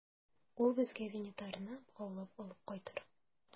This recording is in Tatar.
Ул безгә Винитарны богаулап алып кайтыр.